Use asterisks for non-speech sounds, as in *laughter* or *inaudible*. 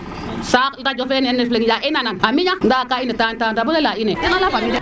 saax ndajo fene ndefleng ya i nanan a miña nda ga i ndeta ndeta bada leya ine *noise*